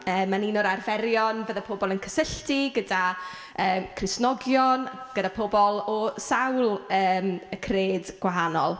Yy, mae'n un o'r arferion fyddai pobl yn cysylltu gyda yy Cristnogion, gyda pobl o sawl, yym, cred gwahanol.